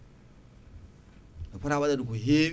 e foota waɗede ko hewi